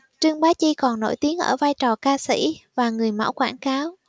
trương bá chi còn nổi tiếng ở vai trò ca sĩ và người mẫu quảng cáo